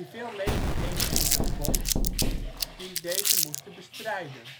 veel legereenheden bond die deze moesten bestrijden